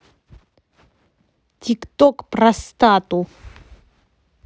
tiktok простату